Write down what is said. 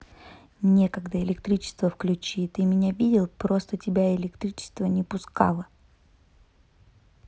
некогда электричество включи ты меня видел просто тебя и электричество не пускала